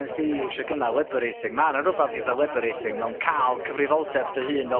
nesdi iwsio gynna liberating ma' 'na rywbath eitha' liberating mewn ca'l cyfrifoldeb dy hun fel